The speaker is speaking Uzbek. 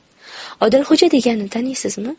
odilxo'ja deganni taniysizmi